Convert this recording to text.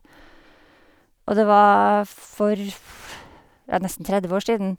Og det var for f ja, nesten tredve år siden.